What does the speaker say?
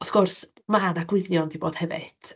Wrth gwrs, mae 'na gwynion 'di bod hefyd.